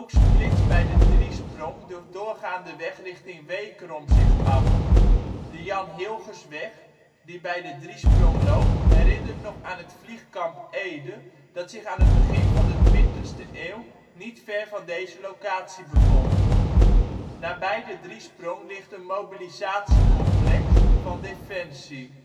splitst bij de Driesprong de doorgaande weg richting Wekerom zich af. De Jan Hilgersweg die bij de Driesprong loopt herinnert nog aan het Vliegkamp Ede dat zich aan het begin van de 20ste eeuw niet ver van deze locatie bevond. Nabij de Driesprong ligt een Mobilisatiecomplex van Defensie